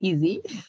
Easy!